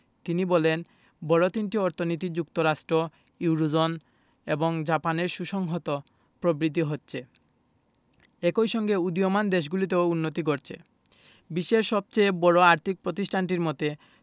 তিনি বলেন বড় তিনটি অর্থনীতি যুক্তরাষ্ট ইউরোজোন এবং জাপানের সুসংহত প্রবৃদ্ধি হচ্ছে একই সঙ্গে উদীয়মান দেশগুলোতেও উন্নতি ঘটছে বিশ্বের সবচেয়ে বড় আর্থিক প্রতিষ্ঠানটির মতে